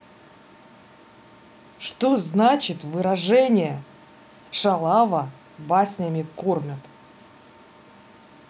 что значит выражение шалава баснями кормят